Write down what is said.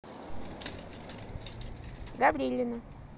гаврилина